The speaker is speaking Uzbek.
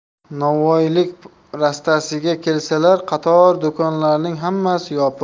novvoylik rastasiga kelsalar qator do'konlarning hammasi yopiq